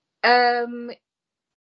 Yym,